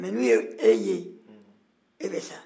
mais n'u y'e ye e bɛ sa